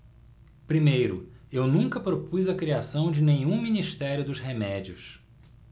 primeiro eu nunca propus a criação de nenhum ministério dos remédios